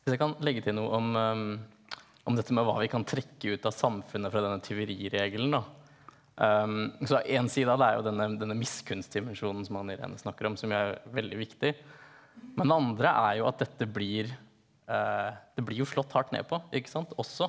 hvis jeg kan legge til noe om om dette med hva vi kan trekke ut av samfunnet fra denne tyveriregelen da, så én side av det er jo den denne miskunnsdimensjonen som Anne Irene snakker om som jo er veldig viktig, men den andre er jo at dette blir det blir jo slått hardt ned på ikke sant også.